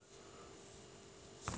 торт с малиновым вареньем